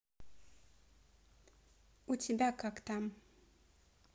у тебя как там